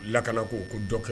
Lak ko ko dɔka